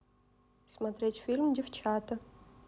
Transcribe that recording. смотреть фильм девчата